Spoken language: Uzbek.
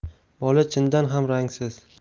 bola chindan ham rangsiz